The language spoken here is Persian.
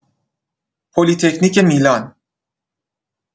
پلی‌تکنیک میلان